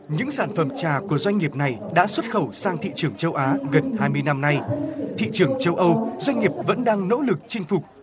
những sản phẩm trà của doanh nghiệp này đã xuất khẩu sang thị trường châu á gần hai mươi năm nay thị trường châu âu doanh nghiệp vẫn đang nỗ lực chinh phục